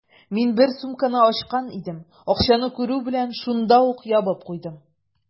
Мин бер сумканы ачкан идем, акчаны күрү белән, шунда ук ябып куйдым.